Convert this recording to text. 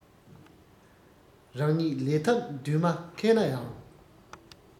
རང ཉིད ལས ཐབས འདུན མ མཁས ན ཡང